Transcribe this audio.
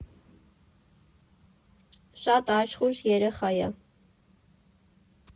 Շատ աշխույժ երեխայ ա։